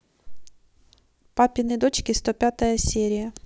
папины дочки сто пятая серия